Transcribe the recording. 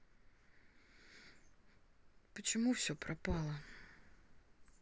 почему все пропало